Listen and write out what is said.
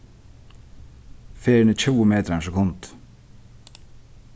ferðin er tjúgu metrar um sekundi